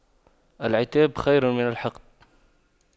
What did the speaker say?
العتاب خير من الحقد